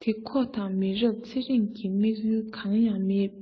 དེ ཁོ དང མི རབས ཚེ རིང གི དམིགས ཡུལ གང ཡང མེད